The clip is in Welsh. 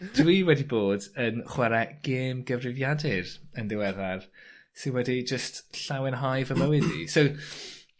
dwi wedi bod yn chware gêm gyfrifiadur yn ddiweddar sy wedi jyst llawenhau fy mywyd i. So